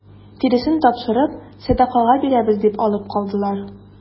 Тиресен тапшырып сәдакага бирәбез дип алып калдылар.